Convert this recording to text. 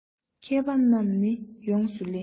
མཁས པ རྣམས ནི ཡོངས སུ ལེན